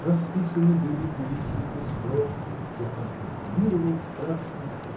Расписаны были кулисы пестро, Я так декламировал страстно